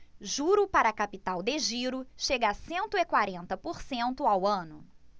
juro para capital de giro chega a cento e quarenta por cento ao ano